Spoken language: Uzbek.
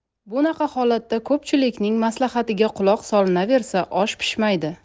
bunaqa holatda ko'pchilikning maslahatiga quloq solinaversa osh pishmaydi